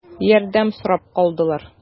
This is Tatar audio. Ярдәм сорап калдылар.